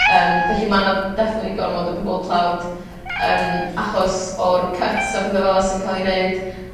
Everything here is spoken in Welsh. Yym felly ma' 'na definitely gormod o pobol tlawd yym achos o'r cuts a petha fel 'a sy'n ca' 'u neud